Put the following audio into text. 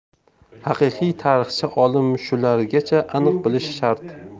haqiqiy tarixchi olim shulargacha aniq bilishi shart